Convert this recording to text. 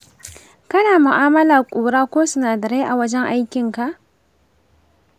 kana mu'amala ƙura ko sinadarai a wajen aikinka?